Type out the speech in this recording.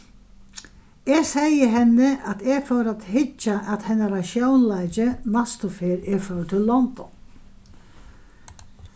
eg segði henni at eg fór at hyggja at hennara sjónleiki næstu ferð eg fór til london